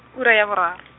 ura ya bora .